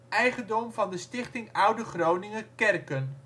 eigendom van de Stichting Oude Groninger Kerken